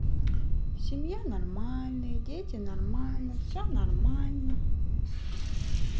семья нормальные дети нормально все нормально